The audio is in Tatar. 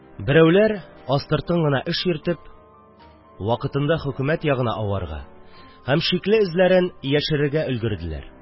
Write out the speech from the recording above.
Берәүләр, астыртын гына эш йөртеп, вакытында хөкүмәт ягына аварга һәм шикле эзләрен яшерергә өлгерделәр;